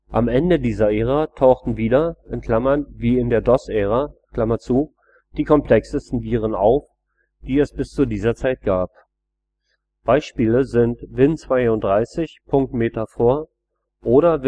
Am Ende dieser Ära tauchten wieder (wie in der DOS-Ära) die komplexesten Viren auf, die es bis zu dieser Zeit gab. Beispiele sind Win32.MetaPHOR oder